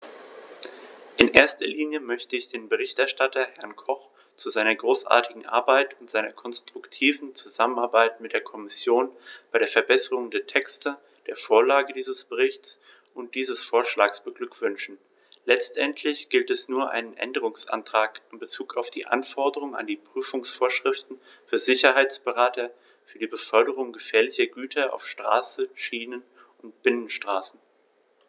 In erster Linie möchte ich den Berichterstatter, Herrn Koch, zu seiner großartigen Arbeit und seiner konstruktiven Zusammenarbeit mit der Kommission bei der Verbesserung der Texte, der Vorlage dieses Berichts und dieses Vorschlags beglückwünschen; letztendlich gibt es nur einen Änderungsantrag in bezug auf die Anforderungen an die Prüfungsvorschriften für Sicherheitsberater für die Beförderung gefährlicher Güter auf Straße, Schiene oder Binnenwasserstraßen.